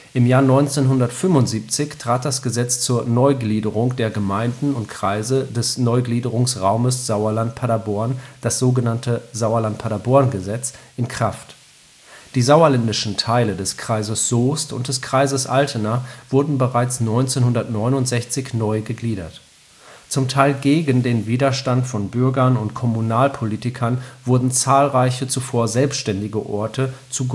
Im Jahr 1975 trat das Gesetz zur Neugliederung der Gemeinden und Kreise des Neugliederungsraumes Sauerland/Paderborn (Sauerland/Paderborn-Gesetz) in Kraft. Die sauerländischen Teile des Kreises Soest und des Kreises Altena wurden bereits 1969 neu gegliedert. Zum Teil gegen den Widerstand von Bürgern und Kommunalpolitikern wurden zahlreiche zuvor selbstständige Orte zu